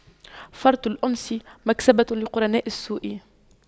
فرط الأنس مكسبة لقرناء السوء